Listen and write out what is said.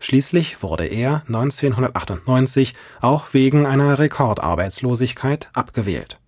Schließlich wurde er 1998 auch wegen einer Rekordarbeitslosigkeit abgewählt